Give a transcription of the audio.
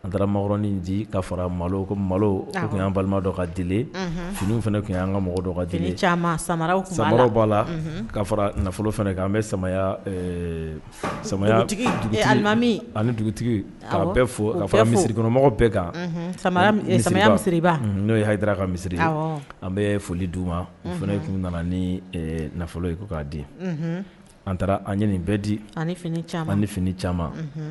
An taara maɔrɔnin di' maloan balima ka fini fana tun an ka mɔgɔ sama sama'a la k'a fara nafolo an bɛ samalimami ani dugutigi' bɛɛ a misisiriri kɔnɔmɔgɔ bɛɛ kan sama n'o ye ha ka misi an bɛ foli d u ma f tun nana ni nafolo ye ko'a di an taara an ye bɛɛ di ani fini caman